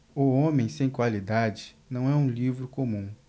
o homem sem qualidades não é um livro comum